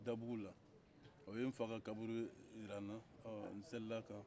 u ye n fa ka kaburu jira n na n selila kan